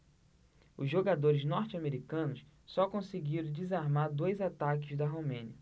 os jogadores norte-americanos só conseguiram desarmar dois ataques da romênia